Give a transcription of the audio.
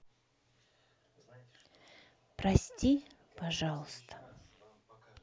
прости пожалуйста